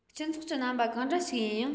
སྤྱི ཚོགས ཀྱི རྣམ པ གང འདྲ ཞིག ཡིན ཡང